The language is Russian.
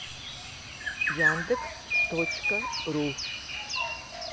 яндекс точка ру